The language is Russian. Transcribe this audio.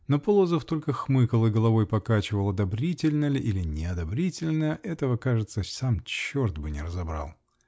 Но Полозов только хмыкал и головой покачивал -- одобрительно ли или неодобрительно -- этого, кажется, сам черт бы не разобрал.